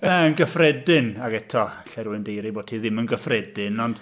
Na, yn gyffredin. Ac eto, alle rhywun daeru bo' ti ddim yn gyffredin, ond...